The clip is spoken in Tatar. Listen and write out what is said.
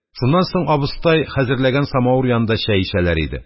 Шуннан соң абыстай хәзерләгән самавыр янында чәй эчәләр иде.